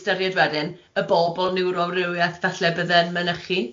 ystyried wedyn y bobl niwroamrywieth falle bydde'n mynychu.